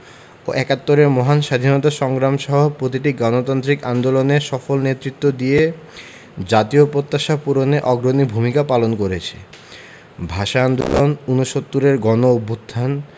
ও একাত্তরের মহান স্বাধীনতা সংগ্রাম সহ প্রতিটি গণতান্ত্রিক আন্দোলনে সফল নেতৃত্ব দিয়ে জাতীয় প্রত্যাশা পূরণে অগ্রণী ভূমিকা পালন করেছে ভাষা আন্দোলন উনসত্তুরের গণঅভ্যুত্থান